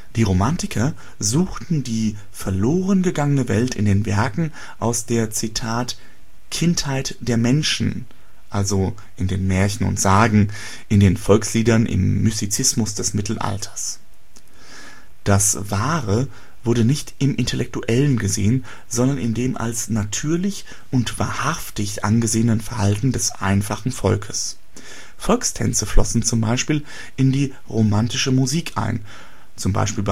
Die Romantiker suchten die verloren gegangene Welt in den Werken aus der „ Kindheit der Menschen “, also in den Märchen und Sagen, in den Volksliedern, im Mystizismus des Mittelalters. Das „ Wahre “wurde nicht im Intellektuellen gesehen, sondern in dem als natürlich und wahrhaftig angesehenen Verhalten des einfachen Volkes. Volkstänze flossen z. B. in die romantische Musik ein (z. B.